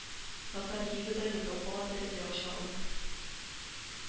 Татар Ригада Европага тәрәз ача ала